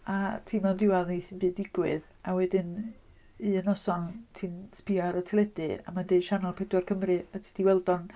A ti'n meddwl yn diwedd wneith dim byd ddigwydd a wedyn un noson ti'n sbio ar y teledu a mae'n deud Sianel pedwar Cymru a ti 'di weld o'n...